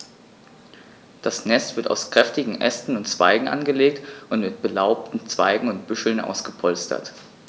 Das Nest wird aus kräftigen Ästen und Zweigen angelegt und mit belaubten Zweigen und Büscheln ausgepolstert.